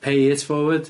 Pay it forward?